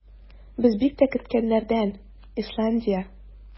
Без бик тә көткәннәрдән - Исландия.